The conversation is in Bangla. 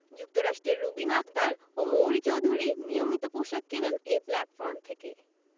যুক্তরাষ্ট্রের রুবিনা আক্তার ও মৌরি চৌধুরী নিয়মিত পোশাক কেনেন এই প্ল্যাটফর্ম থেকে